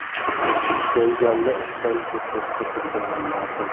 janjalli ishdan chetroqda turgani maqul